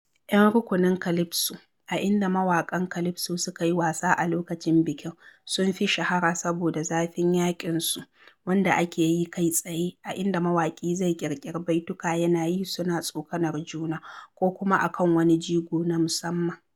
Yan rukunin Calypso, a inda mawaƙan Calypso suka yi wasa a lokacin bikin, sun fi shahara saboda "zafin yaƙin" su, wanda ake yi kai tsaye a inda mawaƙi zai ƙirƙiri baituka yana yi suna tsokanar juna, ko kuma a kan wani jigo na musamman.